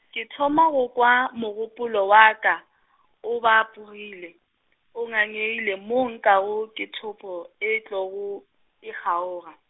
ke thoma go kwa mogopolo wa ka, o bapogile, o ngangegile mo nkwago ke thopo e tlogo, e kgaoga.